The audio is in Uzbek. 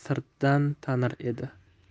sirtdan tanir edi